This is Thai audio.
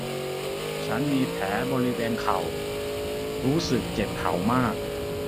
ฉันมีแผลบริเวณเข่ารู้สึกเจ็บเข่ามาก